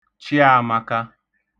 Chịāmākā